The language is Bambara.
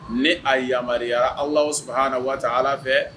Ne a yama ala sabaha na waati ala fɛ